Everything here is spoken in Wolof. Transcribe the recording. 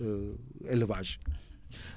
élevage